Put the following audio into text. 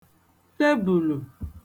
tebùlù